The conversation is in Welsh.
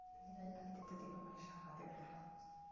Wnawn ni ddeud bod ni 'di dod i fama i siarad i ddechrau.